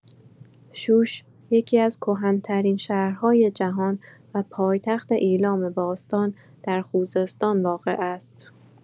شوش، یکی‌از کهن‌ترین شهرهای جهان و پایتخت ایلام باستان، در خوزستان واقع است.